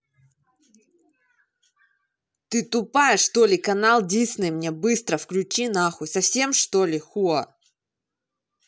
ты тупая что ли канал disney мне быстро включи нахуй совсем что ли хуа